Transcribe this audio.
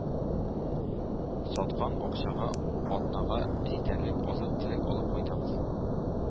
Саткан акчага атнага җитәрлек азык-төлек алып кайтабыз.